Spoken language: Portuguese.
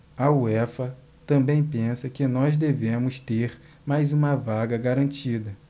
a uefa também pensa que nós devemos ter mais uma vaga garantida